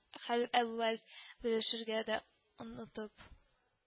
Хәл-әхвәл белешергә дә онытып